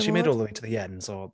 She made it all the way to the end so.